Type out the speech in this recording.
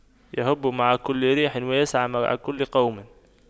يَهُبُّ مع كل ريح ويسعى مع كل قوم